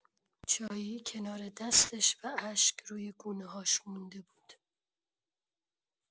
چایی کنار دستش و اشک روی گونه‌هاش مونده بود.